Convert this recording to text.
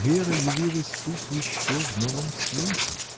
Вера явилась тут еще в новом свете.